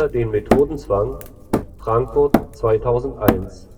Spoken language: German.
den Methodenzwang. Frankfurt 2001